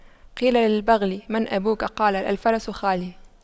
قيل للبغل من أبوك قال الفرس خالي